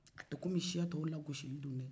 a tɛ kɔmi siya tɔw lagosili don dɛ